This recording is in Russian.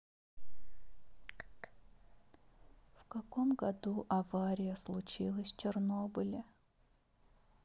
в каком году авария случилась в чернобыле